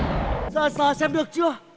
giờ sờ xem được chưa